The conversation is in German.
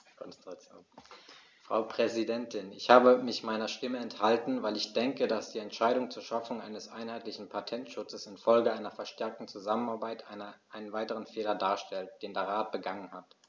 Frau Präsidentin, ich habe mich meiner Stimme enthalten, weil ich denke, dass die Entscheidung zur Schaffung eines einheitlichen Patentschutzes in Folge einer verstärkten Zusammenarbeit einen weiteren Fehler darstellt, den der Rat begangen hat.